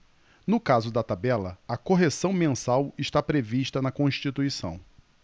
no caso da tabela a correção mensal está prevista na constituição